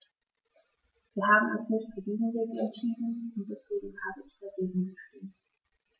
Wir haben uns nicht für diesen Weg entschieden, und deswegen habe ich dagegen gestimmt.